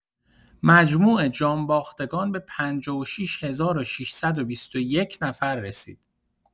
مجموع جان‌باختگان به ۵۶ هزار و ۶۲۱ نفر رسید.